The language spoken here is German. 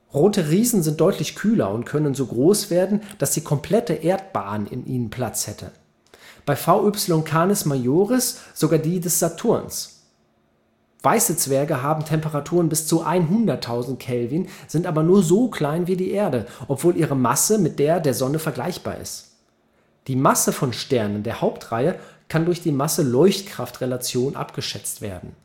Rote Riesen sind deutlich kühler und können so groß werden, dass die komplette Erdbahn in ihnen Platz hätte, bei VY Canis Majoris sogar die des Saturns. Weiße Zwerge haben Temperaturen bis zu 100.000 K, sind aber nur so klein wie die Erde, obwohl ihre Masse mit der der Sonne vergleichbar ist. Die Masse von Sternen der Hauptreihe kann durch die Masse-Leuchtkraft-Relation abgeschätzt werden